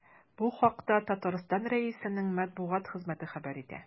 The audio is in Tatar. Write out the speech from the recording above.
Бу хакта Татарстан Рәисенең матбугат хезмәте хәбәр итә.